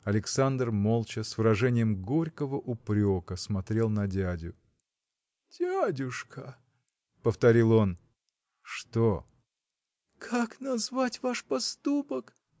Александр молча, с выражением горького упрека, смотрел на дядю. – Дядюшка! – повторил он. – Что? – Как назвать ваш поступок?